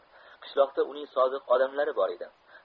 qishloqda uning sodiq odamlari bor edi